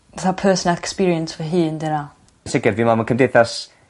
fatha personal experience fy hyn 'di wnna. Sicir fi'n me'wl ma' cymdeithas